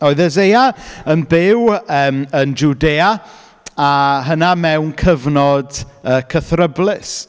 Oedd Eseia yn byw yym yn Jwdea a hynna mewn cyfnod yy cythryblus.